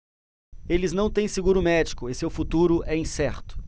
eles não têm seguro médico e seu futuro é incerto